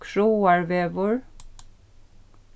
kráarvegur